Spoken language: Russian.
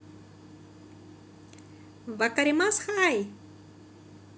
вакаримас хай